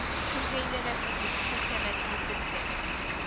Кемгә өйләнәсең, дип теңкәмә тиеп бетте